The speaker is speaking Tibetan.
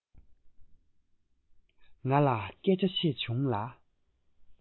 ང ལ སྐད ཆ བཤད བྱུང ལ